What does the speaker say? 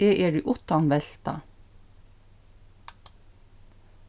eg eri uttanveltað